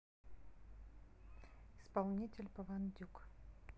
исполнитель по вандюк